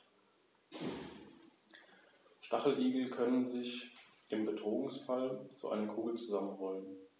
Latein wurde zur Amtssprache im gesamten Reich (im Osten ergänzt durch das Altgriechische), wenngleich sich auch andere Sprachen halten konnten.